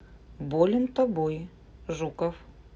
болен тобой жуков